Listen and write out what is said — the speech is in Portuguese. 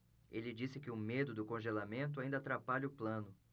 ele disse que o medo do congelamento ainda atrapalha o plano